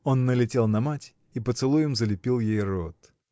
Он налетел на мать и поцелуем залепил ей рот.